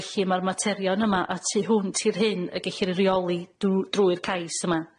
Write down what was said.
felly ma'r materion yma a tu hwnt i'r hyn y gellir ei reoli dw- drwy'r cais yma.